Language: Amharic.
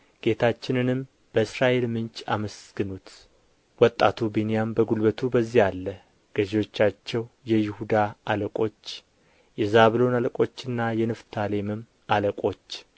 ጌታችንንም በእስራኤል ምንጭ አመስግኑት ወጣቱ ብንያም በጕልበቱ በዚያ አለ ገዦቻቸው የይሁዳ አለቆች የዛብሎን አለቆችና የንፍታሌምም አለቆች